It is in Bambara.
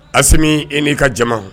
Asimi i ni ka jama.